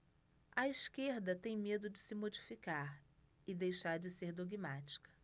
a esquerda tem medo de se modificar e deixar de ser dogmática